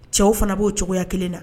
Cɛw fana b'o cogoyaya kelen na